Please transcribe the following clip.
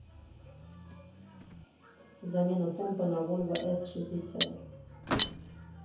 замена помпы на вольво с шестьдесят